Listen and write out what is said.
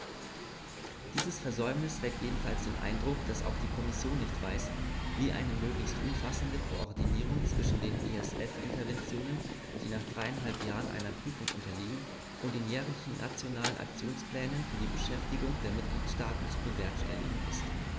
Dieses Versäumnis weckt jedenfalls den Eindruck, dass auch die Kommission nicht weiß, wie eine möglichst umfassende Koordinierung zwischen den ESF-Interventionen, die nach dreieinhalb Jahren einer Prüfung unterliegen, und den jährlichen Nationalen Aktionsplänen für die Beschäftigung der Mitgliedstaaten zu bewerkstelligen ist.